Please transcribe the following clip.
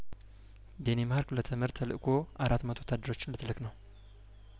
ዴኒማርክ ለተመድ ተልእኮ አራት መቶ ወታደሮችን ልትልክ ነው